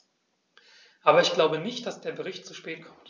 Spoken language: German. Aber ich glaube nicht, dass der Bericht zu spät kommt.